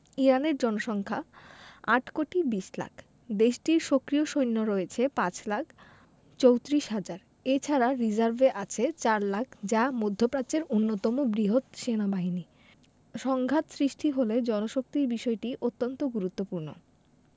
ইরানের জনসংখ্যা ৮ কোটি ২০ লাখ দেশটির সক্রিয় সৈন্য রয়েছে ৫ লাখ ৩৪ হাজার এ ছাড়া রিজার্ভে রয়েছে ৪ লাখ যা মধ্যপ্রাচ্যের অন্যতম বৃহৎ সেনাবাহিনী সংঘাত সৃষ্টি হলে জনশক্তির বিষয়টি অন্তত গুরুত্বপূর্ণ